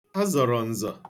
Ha zọrọ nzọ.